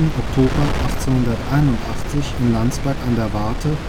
Oktober 1881 in Landsberg an der Warthe